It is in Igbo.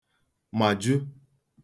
màju